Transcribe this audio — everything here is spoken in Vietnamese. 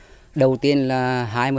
đầu tiên là hai